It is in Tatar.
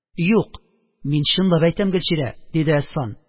Юк, мин чынлап әйтәм, Гөлчирә, – диде Әсфан